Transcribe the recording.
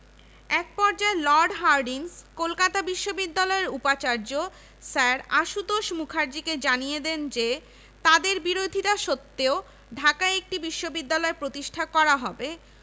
এক পর্যায়ে Lord Hardinge Kolkata বিশ্ববিদ্যালয়ের উপাচার্য স্যার আশুতোষ মুখার্জীকে জানিয়ে দেন যে তাঁদের বিরোধিতা সত্ত্বেও ঢাকায় একটি বিশ্ববিদ্যালয় প্রতিষ্ঠা করা হবে